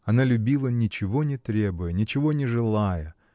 Она любила, ничего не требуя, ничего не желая